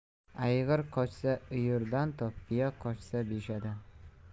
ayg'ir qochsa uyurdan top biya qochsa beshadan